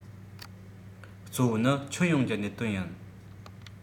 གཙོ བོ ནི ཁྱོན ཡོངས ཀྱི གནད དོན ཡིན